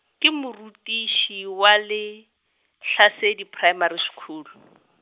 ke morutiši wa Lehlasedi Primary School .